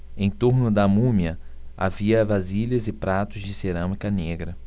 em torno da múmia havia vasilhas e pratos de cerâmica negra